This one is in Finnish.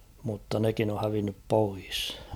mutta nekin on hävinnyt pois